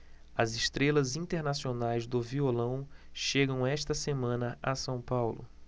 as estrelas internacionais do violão chegam esta semana a são paulo